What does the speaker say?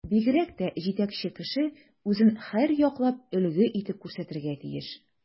Бигрәк тә җитәкче кеше үзен һәрьяклап өлге итеп күрсәтергә тиеш.